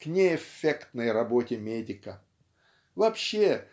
к неэффективной работе медика. Вообще